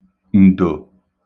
ǹdò